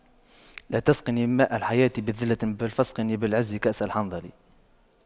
لا تسقني ماء الحياة بذلة بل فاسقني بالعز كأس الحنظل